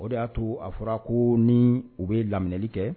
O de y'a to a fɔra ko ni u bɛ lamli kɛ